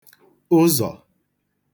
ụzọ̀